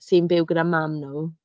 sy'n byw gyda mam nhw.